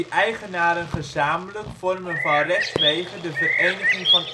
eigenaren gezamenlijk vormen van rechtswege de Vereniging van